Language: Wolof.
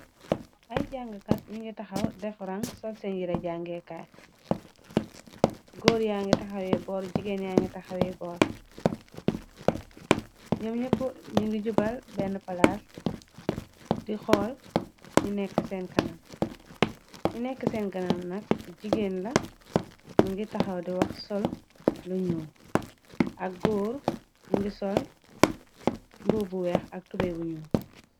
Ay jàngekat ñi ngi taxaw def raŋg sol seen yira jangekaay góor yaa ngi taxawe boor jigeen yaa ngi taxawe boor num nyepu ñi ngi jubal benn palaas di xool nu nekk seen kanam nu neka sen kanam nak jigéen la më ngi taxaw di wax sol lu ñuul ak góor mu ngi sol mubu bu weex ak tubaye bu ñuul.